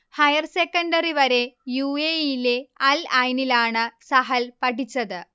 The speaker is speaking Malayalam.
ഹയർ സെക്കൻഡറി വരെ യു. എ. ഇ. യിലെ അൽ ഐനിലാണ് സഹൽ പഠിച്ചത്